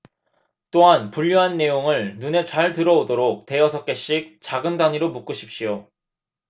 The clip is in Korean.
또한 분류한 내용을 눈에 잘 들어오도록 대여섯 개씩 작은 단위로 묶으십시오